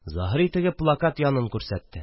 Заһри теге плакат янын күрсәтте